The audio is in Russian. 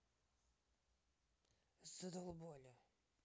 задолбали